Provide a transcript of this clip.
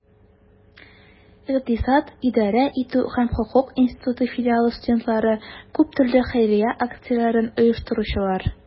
Икътисад, идарә итү һәм хокук институты филиалы студентлары - күп төрле хәйрия акцияләрен оештыручылар.